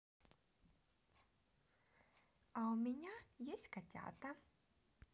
а у меня есть котята